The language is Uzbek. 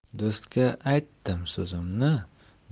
do'stga aytdim so'zimni